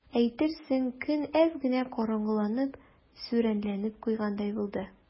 Әйтерсең, көн әз генә караңгыланып, сүрәнләнеп куйгандай булды.